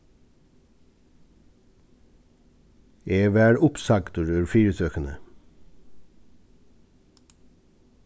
eg varð uppsagdur úr fyritøkuni